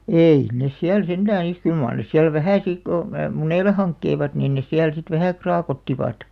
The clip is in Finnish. ei ne siellä sentään sitten kyllä mar ne siellä vähän sitten kun munille hankkivat niin ne siellä sitten vähän kraakottivat